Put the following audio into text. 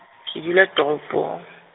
ke dula toropong.